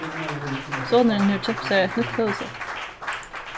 sonurin hevur keypt sær eitt nýtt høvuðsett